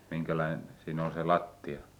minkälainen siinä oli se lattia